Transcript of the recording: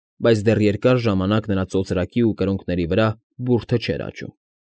Բայց դեռ երկար ժամանակ նրա ծոծրակի ու կրունկների վրա բուրդը չէր աճում։